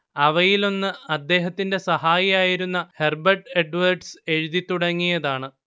അവയിലൊന്ന് അദ്ദേഹത്തിന്റെ സഹായിയായിരുന്ന ഹെർബെർട്ട് എഡ്വേഡ്സ് എഴുതിത്തുടങ്ങിയതാണ്